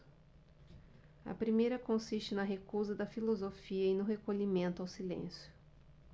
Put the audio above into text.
a primeira consiste na recusa da filosofia e no recolhimento ao silêncio